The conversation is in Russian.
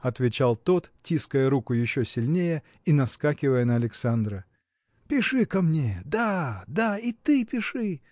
– отвечал тот, тиская руку еще сильнее и наскакивая на Александра. – Пиши ко мне! – Да, да, и ты пиши!